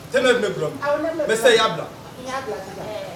T ne bɛlɔ bɛ y'a bila